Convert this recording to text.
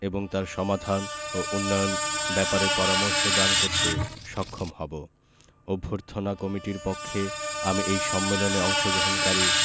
এবং তার সমাধান ও উন্নয়ন ব্যাপারে পরামর্শ দান করতে সক্ষম হবো অভ্যর্থনা কমিটির পক্ষে আমি এই সম্মেলনে অংশগ্রহণকারী